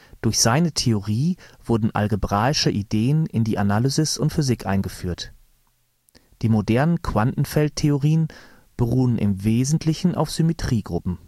Durch seine Theorie wurden algebraische Ideen in die Analysis und Physik eingeführt. Die modernen Quantenfeldtheorien beruhen im Wesentlichen auf Symmetriegruppen